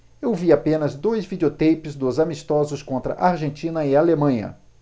eu vi apenas dois videoteipes dos amistosos contra argentina e alemanha